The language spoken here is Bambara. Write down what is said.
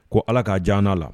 Ko ala k kaa jan la